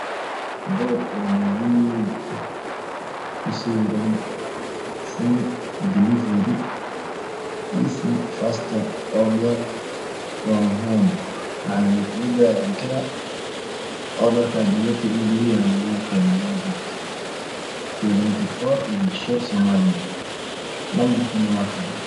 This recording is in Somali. Boor guduudan oo ka sawiran yahay delivery food easy fast oo order